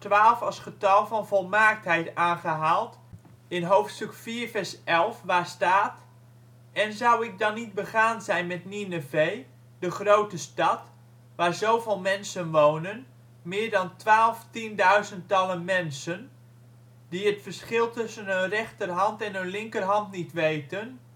als getal van volmaaktheid aangehaald in hoofdstuk 4 vers 11: " En zou Ik dan niet begaan zijn met Nineve, de grote stad, waar zoveel mensen wonen, meer dan twaalf tienduizendtallen mensen, die het verschil tussen hun rechterhand en hun linkerhand niet weten